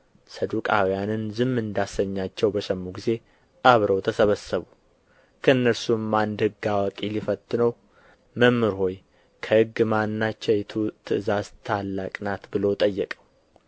ሰዱቃውያንን ዝም እንዳሰኛቸው በሰሙ ጊዜ አብረው ተሰበሰቡ ከእነርሱም አንድ ሕግ አዋቂ ሊፈትነው መምህር ሆይ ከሕግ ማናቸይቱ ትእዛዝ ታላቅ ናት ብሎ ጠየቀው